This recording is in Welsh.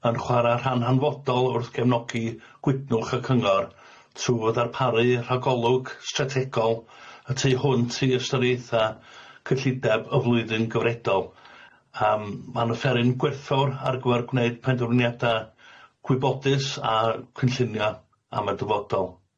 yn chwara rhan hanfodol wrth gefnogi gwydnwch y cyngor trw ddarparu rhagolwg strategol y tu hwnt i ystyriaetha cyllideb y flwyddyn gyfredol yym ma'n offeryn gwerthfawr ar gyfar gwneud penderfyniada gwybodus a cynllunio am y dyfodol.